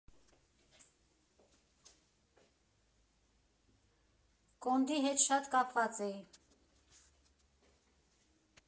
Կոնդի հետ շատ կապված էի։